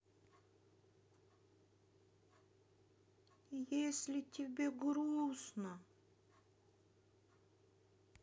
если тебе грустно